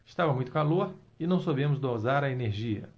estava muito calor e não soubemos dosar a energia